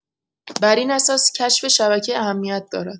بر این اساس کشف شبکه اهمیت دارد.